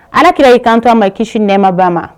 Alakira y'i kanto ma, kisi ni nɛma b'a ma